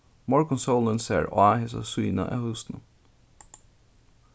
morgunsólin sær á hesa síðuna av húsinum